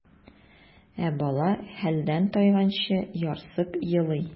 Ә бала хәлдән тайганчы ярсып елый.